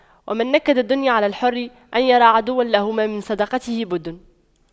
ومن نكد الدنيا على الحر أن يرى عدوا له ما من صداقته بد